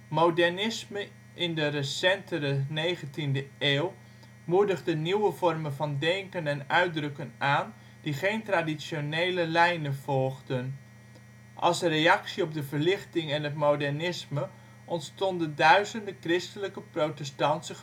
Modernisme in de recentere 19e eeuw moedigde nieuwe vormen van gedachte en uitdrukking aan die geen traditionele lijnen volgden. De reactie op de Verlichting en het modernisme bracht letterlijk de ontwikkeling van duizenden christelijke protestantse